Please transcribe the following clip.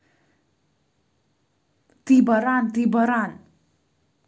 ты баран ты баран